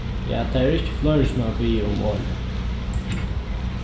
ja tað eru ikki fleiri sum hava biðið um orðið